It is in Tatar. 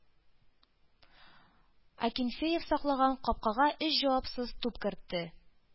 Акинфеев саклаган капкага өч җавапсыз туп кертте.